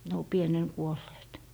ne on pienenä kuolleet